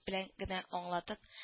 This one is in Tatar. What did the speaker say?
Белән генә аңлатып